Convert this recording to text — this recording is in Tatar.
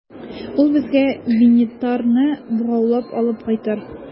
Ул безгә Винитарны богаулап алып кайтыр.